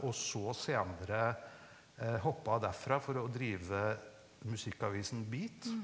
og så senere hoppa derfra for å drive musikkavisen Beat.